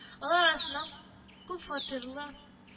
Лар арасында күп фатирлы